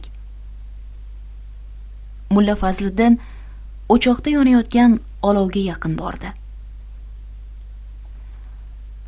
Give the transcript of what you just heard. mulla fazliddin o'choqda yonayotgan olovga yaqin bordi